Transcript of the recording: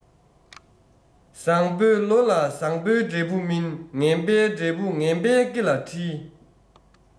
བཟང པོའི ལོ ལ བཟང པོའི འབྲས བུ སྨིན ངན པའི འབྲས བུ ངན པའི སྐེ ལ འཁྲིལ